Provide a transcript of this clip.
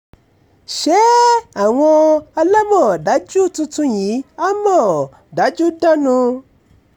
Ṣé àwọn alámọ̀dájú tuntun yìí á mọ̀ dájú dánu?